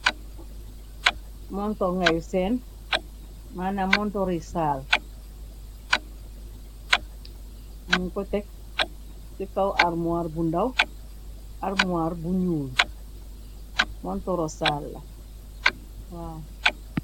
Montorr ngè senn, ma nam montorr lu Saal. Nung ko tekk ci kaw almuwar bu ndaw, almuwar bu ñuul. Montorru saal la waw.